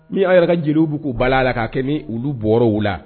Ni an yɛrɛ ka jeliw bɛ k'u bala la ka kɛ olu bɔliw la